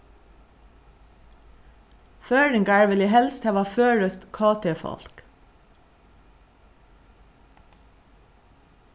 føroyingar vilja helst hava føroyskt kt-fólk